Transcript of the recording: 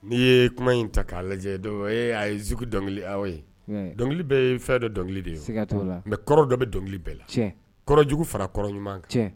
N'i ye kuma in ta k'a lajɛ a ye zi dɔnkili ye dɔnkili bɛ ye fɛn dɔ dɔnkili de ye mɛ kɔrɔ dɔ bɛ dɔnkili bɛɛ la kɔrɔjugu fara kɔrɔ ɲuman